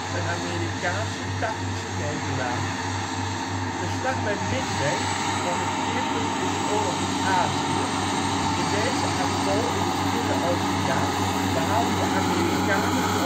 een Amerikaanse tactische nederlaag. Brandende Hiryu 4 juni 1942 De Slag bij Midway was het keerpunt in de oorlog in Azië, in deze atol in de Stille Oceaan behaalden de Amerikanen